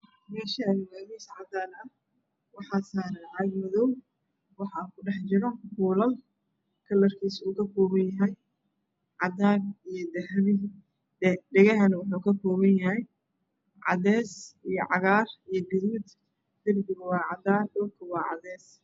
Meeahani waa cadaan ah waxa yaalo waxa kudhexjira kalarkiisu kakooban Yahya